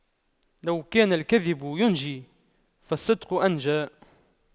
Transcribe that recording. لو كان الكذب ينجي فالصدق أنجى